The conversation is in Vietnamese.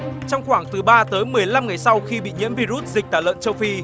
trong khoảng từ ba tới mười lăm ngày sau khi bị nhiễm vi rút dịch tả lợn châu phi